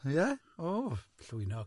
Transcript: O, llwynog.